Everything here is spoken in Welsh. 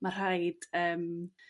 Ma' rhaid yrm.